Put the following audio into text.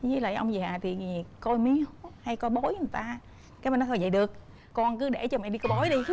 dới lại ông già thì coi miếu hay coi bói người ta cái ba nói thôi dạy được con cứ để cho mẹ đi coi bói đi